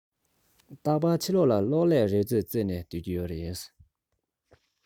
རྟག པར ཕྱི ལོག ལ གློག ཀླད རོལ རྩེད རྩེད ནས སྡོད ཀྱི ཡོད རེད